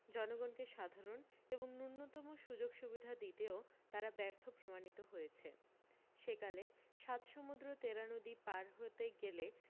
জনগণকে সাধারণ এবং ন্যূনতম সু্যোগসুবিধা দিতেও তারা ব্যর্থ প্রমাণিত হয়েছে সেকালে সাত সমুদ্র তেরা নদী পার হতে গেলে